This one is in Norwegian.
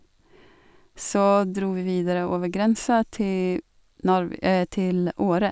Så dro vi videre over grensa til nårvi til Åre.